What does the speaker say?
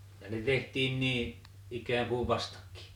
ja ne tehtiin niin ikään kuin vastatkin